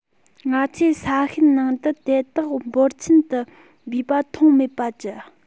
ང ཚོས ས ཤུན ནང དུ དེ དག འབོར ཆེན དུ སྦས པ མཐོང མེད པ ཅི